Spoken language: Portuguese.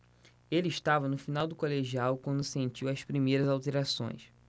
ele estava no final do colegial quando sentiu as primeiras alterações